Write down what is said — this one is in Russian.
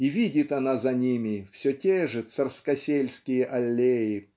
и видит она за ними все те же царскосельские аллеи